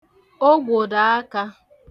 ogwòdòakā